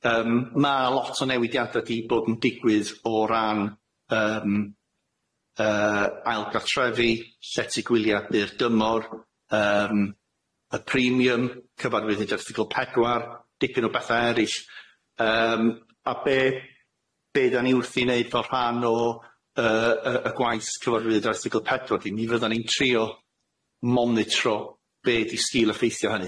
Yym ma' lot o newidiada di bod yn digwydd o ran yym yy ailgartrefi, llety gwylia' byr dymor yym y premium, cyfarfyddiad erthygl pedwar, dipyn o betha eryll yym a be' be' dan ni wrthi'n neud fel rhan o yy yy y gwaith cyfarfyddiad erthygl pedwar di mi fyddan ni'n trio monitro be' di sgil-effeithio hynny.